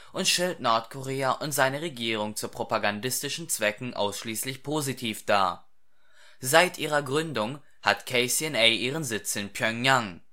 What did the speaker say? und stellt Nordkorea und seine Regierung zu propagandistischen Zwecken ausschließlich positiv dar. Seit ihrer Gründung hat KCNA ihren Sitz in Pjöngjang